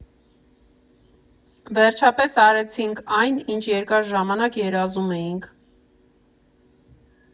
Վերջապես արեցինք այն, ինչ երկար ժամանակ երազում էինք։